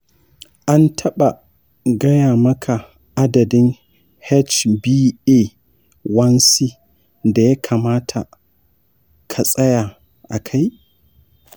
an taɓa gaya maka adadin hba1c da ya kamata ka tsaya a kai?